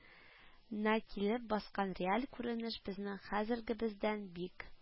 На килеп баскан реаль күренеш безнең хәзергебездән бик